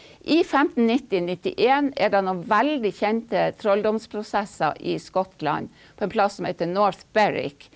i 1590 91 er det noen veldig kjente trolldomsprosesser i Skottland på en plass som heter North Berwick.